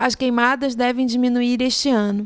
as queimadas devem diminuir este ano